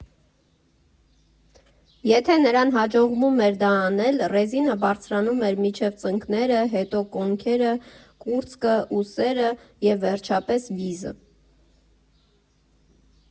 Եթե նրան հաջողվում էր դա անել, ռեզինը բարձրանում էր մինչև ծնկները, հետո՝ կոնքերը, կուրծքը, ուսերը և, վերջապես, վիզը։